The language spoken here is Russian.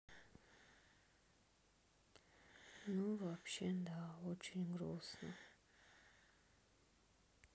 ну вообще да очень грустно